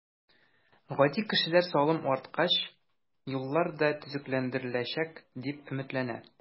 Гади кешеләр салым арткач, юллар да төзекләндереләчәк, дип өметләнә.